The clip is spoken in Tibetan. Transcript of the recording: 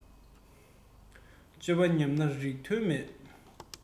སྤྱོད པ ཉམས ན རིགས དོན མེད